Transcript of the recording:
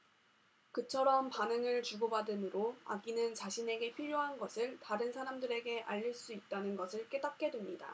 그처럼 반응을 주고받음으로 아기는 자신에게 필요한 것을 다른 사람들에게 알릴 수 있다는 것을 깨닫게 됩니다